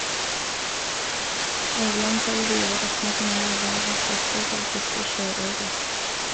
Aurlandselvi var rekna som ei av verdas beste for å fiske sjøaure.